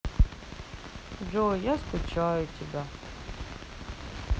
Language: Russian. джой я скучаю тебя